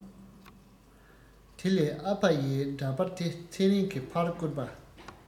དེ ལས ཨ ཕ ཡི འདྲ པར དེ ཚེ རིང གི ཕར བསྐུར པ